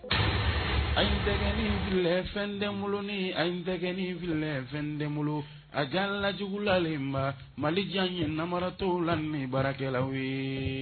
A tɛ fɛn den boloin a tɛinfi fɛn den bolo a ga la jugu lalen mali jan ye namara tɔw la baarakɛlaw ye